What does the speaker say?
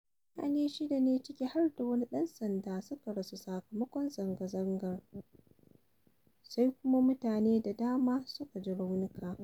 Mutane shida ne ciki har da wani ɗan sanda suka rasu sakamakon zanga-zangar, sdai kuma mutane da dama da suka ji raunika.